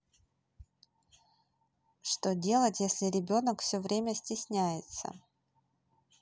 что делать если ребенок все время стесняется